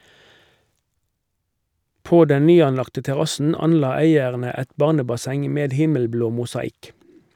På den nyanlagte terrassen anla eierne et barnebasseng med himmelblå mosaikk.